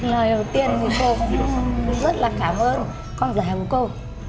lời đầu tiên thì cô cũng rất là cảm ơn con rể của cô